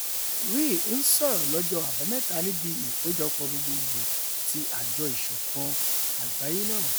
Ri ńsọ̀rọ̀ lọ́jọ́ Àbámẹ́ta níbi Ìpéjọpọ̀ Gbogbogbòò ti Àjọ Ìṣọ̀kan Àgbáyé náà.